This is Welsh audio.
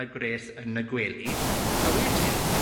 y gwres yn y gwely, a wedyn